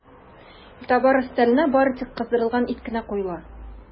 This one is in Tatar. Илтабар өстәленә бары тик кыздырылган ит кенә куела.